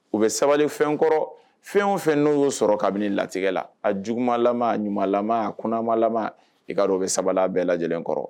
U bɛ sabali fɛn kɔrɔ fɛn o fɛn n''u sɔrɔ kabini latigɛ la a juguumalama a ɲumanlama a komalama i ka u bɛ sabali bɛɛ lajɛ lajɛlen kɔrɔ